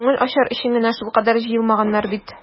Күңел ачар өчен генә шулкадәр җыелмаганнар бит.